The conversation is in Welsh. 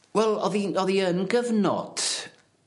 Wel o'dd 'i'n o'dd 'i yn gyfnod